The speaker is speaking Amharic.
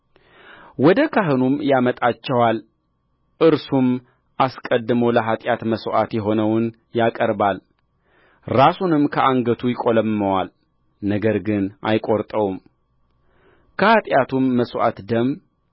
ወደ ካህኑም ያመጣቸዋል እርሱም አስቀድሞ ለኃጢአት መሥዋዕት የሆነውን ያቀርባል ራሱንም ከአንገቱ ይቈለምመዋል ነገር ግን አይቈርጠውምከኃጢአቱም መሥዋዕት ደም